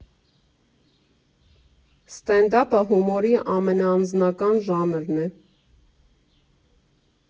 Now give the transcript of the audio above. Սթենդափը հումորի ամենաանձնական ժանրն է։